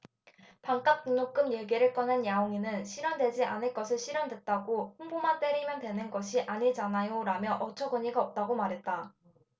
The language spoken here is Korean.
반값등록금 얘기를 꺼낸 냐옹이는 실현되지 않은 것을 실현됐다고 홍보만 때리면 되는 것이 아니잖아요라며 어처구니가 없다고 말했다